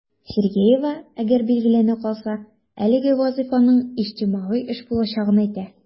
Сергеева, әгәр билгеләнә калса, әлеге вазыйфаның иҗтимагый эш булачагын әйтә.